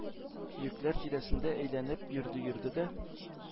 Йөкләр тирәсендә әйләнеп йөрде-йөрде дә